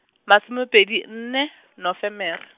masome pedi nne, Nofemere.